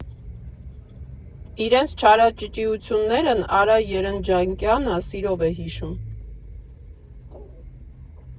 Իրենց չարաճճիություններն Արա Երնջակյանը սիրով է հիշում.